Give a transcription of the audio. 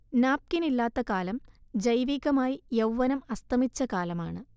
നാപ്കിനില്ലാത്ത കാലം ജൈവികമായി യൗവ്വനം അസ്തമിച്ച കാലമാണ്